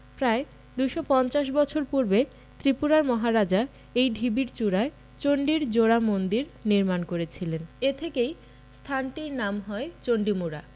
প্রায় ২৫০ বছর পূর্বে ত্রিপুরার মহারাজা এই ঢিবির চূড়ায় চণ্ডীর জোড়া মন্দির নির্মাণ করেছিলেন এ থেকেই স্থানটির নাম হয় চণ্ডীমুড়া